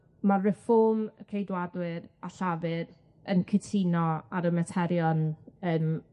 ma Reform Ceidwadwyr a Llafur yn cytuno ar y materion yym